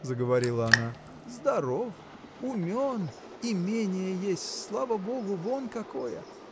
— заговорила она, — здоров, умен, имение есть, слава Богу, вон какое!